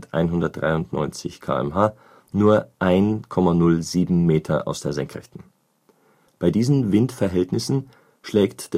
193 km/h) nur 1,07 Meter aus der Senkrechten. Bei diesen Windverhältnissen schlägt